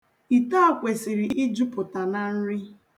Ite a kwesịrị ijupụta na nri.